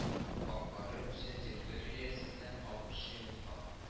Аккары Русия территориясеннән агучы елга